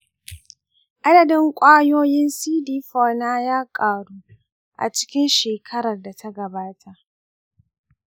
adadin ƙwayoyin cd4 na ya ƙaru a cikin shekarar da ta gabata.